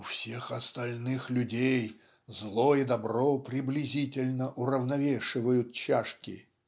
"У всех остальных людей зло и добро приблизительно уравновешивают чашки"